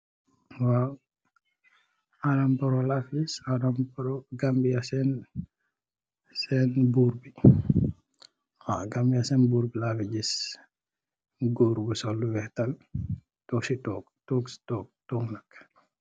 Adam Barrow la fi ngis, Adam Barrow Gambia sèèn bur bi, bur bi mu ngi sol lu wèèx tal doog si tohgu.